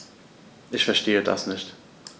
Ich verstehe das nicht.